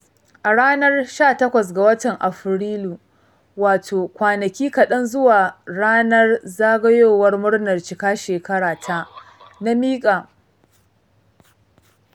A ranar 18 ga watan Afrilu wato kwanaki kaɗan zuwa ranar zagayowar murnar cika shekara ta, na miƙa takardun neman bizar halartar taron na garin Lisbon a ofishin VFS Global a unguwar Lekki da ke garin Legas.